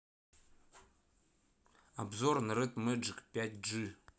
обзор на ред меджик пять джи